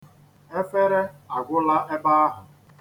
Efere agwụla ebe ahụ.